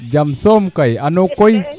jam soom kay anoo koy